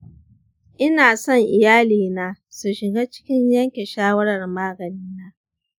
ina son iyalina su shiga cikin yanke shawarar maganina.